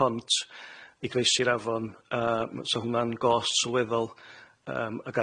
pont i groesi'r afon a ma' so hwnna'n gost sylweddol yym ag